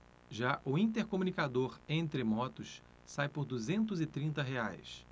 já o intercomunicador entre motos sai por duzentos e trinta reais